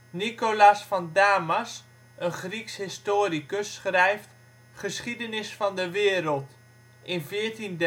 Nicolas van Damas, een Grieks historicus schrijft: Geschiedenis van de wereld in